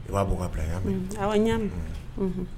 I b'a bɔ ka bila aw ɲa